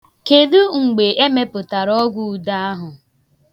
Kedu mgbe emepụtara ọgwụude ahụ?